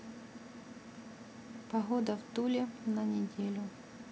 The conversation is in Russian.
погода в туле на неделю